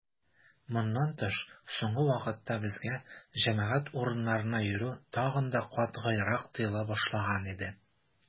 Моннан тыш, соңгы вакытта безгә җәмәгать урыннарына йөрү тагын да катгыйрак тыела башлаган иде.